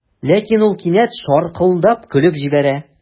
Ләкин ул кинәт шаркылдап көлеп җибәрә.